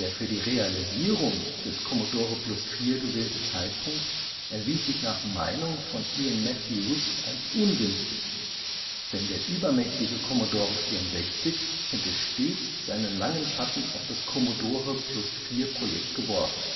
für die Realisierung des Commodore Plus/4 gewählte Zeitpunkt erwies sich nach Meinung von Ian Matthews als ungünstig, denn der übermächtige Commodore 64 hätte stets seine langen Schatten auf das Commodore-Plus/4-Projekt geworfen